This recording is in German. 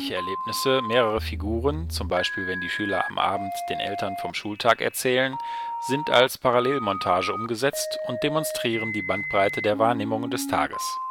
Erlebnisse mehrerer Figuren, zum Beispiel wenn die Schüler am Abend den Eltern vom Schultag erzählen, sind als Parallelmontage umgesetzt und demonstrieren die Bandbreite der Wahrnehmungen des Tages